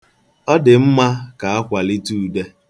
Ọ dị mma ka akwalite Ude.